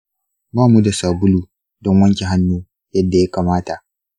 ba mu da sabulu don wanke hannu yadda ya kamata.